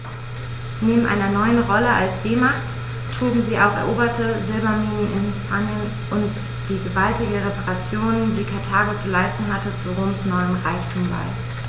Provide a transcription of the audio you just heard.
Neben seiner neuen Rolle als Seemacht trugen auch die eroberten Silberminen in Hispanien und die gewaltigen Reparationen, die Karthago zu leisten hatte, zu Roms neuem Reichtum bei.